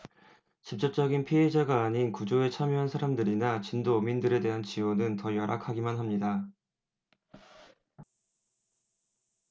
직접적인 피해자가 아닌 구조에 참여한 사람들이나 진도어민들에 대한 지원은 더 열악하기만 합니다